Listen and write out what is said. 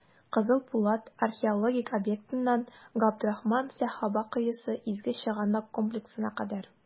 «кызыл пулат» археологик объектыннан "габдрахман сәхабә коесы" изге чыганак комплексына кадәр.